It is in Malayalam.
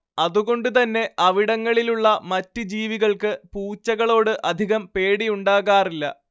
അതുകൊണ്ട് തന്നെ അവിടങ്ങളിലുള്ള മറ്റ് ജീവികൾക്ക് പൂച്ചകളോട് അധികം പേടിയുണ്ടാകാറില്ല